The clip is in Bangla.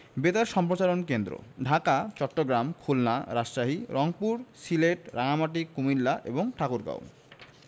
বেতার সম্প্রচার কেন্দ্রঃ ঢাকা চট্টগ্রাম খুলনা রাজশাহী রংপুর সিলেট রাঙ্গামাটি কুমিল্লা এবং ঠাকুরগাঁও